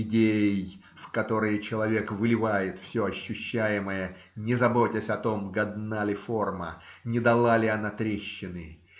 идей, в которые человек выливает все ощущаемое, не заботясь о том, годна ли форма, не дала ли она трещины.